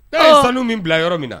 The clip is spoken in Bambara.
E fa min bila yɔrɔ min na